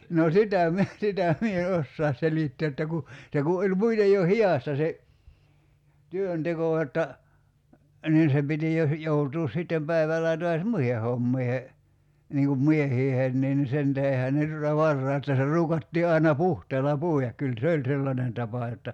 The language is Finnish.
no sitä minä sitä minä en osaa selittää että kun se kun oli muuten jo hidasta se työnteko jotta niin se piti jo - joutua sitten päivälläkin taas muihin hommiin niin kuin miesten niin sen tähdenhän ne tuota varhain että se ruukattiin aina puhteella puida kyllä se oli sellainen tapa jotta